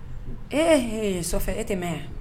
E e sɔfɛ e tɛ mɛn yan